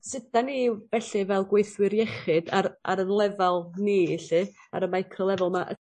Sud 'dan ni felly fel gweithwyr iechyd ar ar y lefal ni 'lly ar y micro lefel 'ma